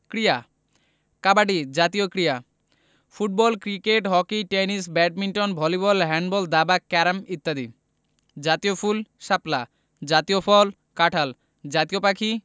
ক্রীড়াঃ কাবাডি জাতীয় ক্রীড়া football cricket hockey tennis badminton volleyball handball দাবা ক্যারম ইত্যাদি জাতীয় ফুলঃ শাপলা জাতীয় ফলঃ কাঁঠাল জাতীয় পাখিঃ